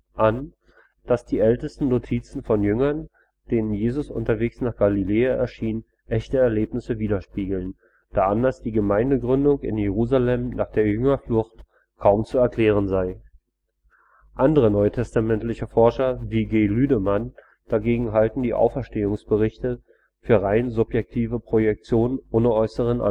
an, dass die ältesten Notizen von Jüngern, denen Jesus unterwegs nach Galiläa „ erschien “, echte Erlebnisse widerspiegeln, da anders die Gemeindegründung in Jerusalem nach der Jüngerflucht kaum zu erklären sei. Andere NT-Forscher wie G. Lüdemann dagegen halten die Auferstehungsberichte für rein subjektive Projektion ohne äußeren